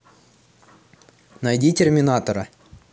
найди терминатора